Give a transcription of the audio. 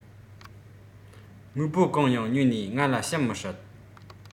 དངོས པོ གང ཡང ཉོ ནས ང ལ བྱིན མི སྲིད